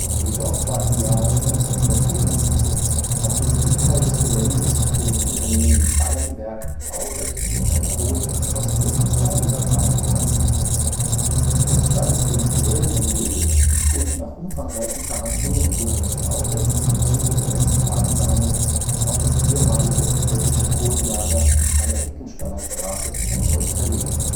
Jedoch war im Jahr 1974 auf den Südteil des Geländes für das Unternehmen Bayernwerk Baurecht mit einer hohen Geschossflächenzahl übertragen worden. Es stand den Plänen im Wege und nach umfangreichen Verhandlungen wurde das Baurecht im Zuge der Westparkplanungen auf das ehemalige städtische Kohlenlager an der Heckenstallerstraße erneut verlegt